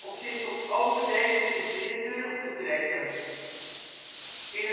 zich tot over deze rivier terug te trekken. In